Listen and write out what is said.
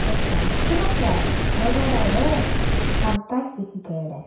Космостан кунаклар: маҗаралы, фантастик хикәяләр.